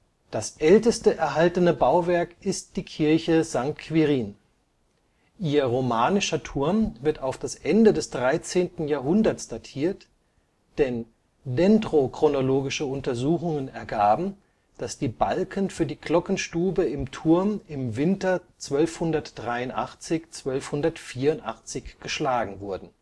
Das älteste erhaltene Bauwerk ist die Kirche St. Quirin. Ihr romanischer Turm wird auf das Ende des 13. Jahrhunderts datiert, denn dendrochronologische Untersuchungen ergaben, dass die Balken für die Glockenstube im Turm im Winter 1283/84 geschlagen wurden